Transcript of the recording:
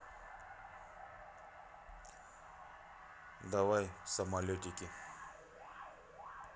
давай самолетики